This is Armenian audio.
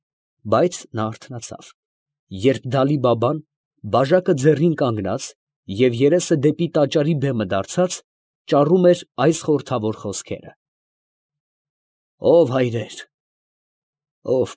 Բայց նա արթնացավ, երբ Դալի֊Բաբան, բաժակը ձեռին կանգնած և, երեսը դեպի տաճարի բեմը դարձած, ճառում էր այս խորհրդավոր խոսքերը. «Ո՛վ հայրեր, ո՛վ։